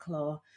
clo